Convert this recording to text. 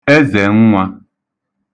Ezènnwā